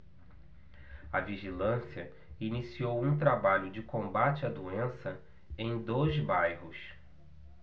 a vigilância iniciou um trabalho de combate à doença em dois bairros